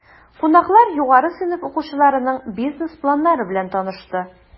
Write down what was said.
Кунаклар югары сыйныф укучыларының бизнес планнары белән танышты.